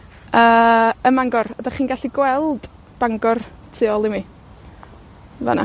Yy, ym Mangor. A 'dach chi'n gallu gweld Bangor tu ôl i mi. fan 'na.